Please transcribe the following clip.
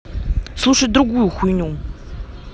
слушать другую хуйню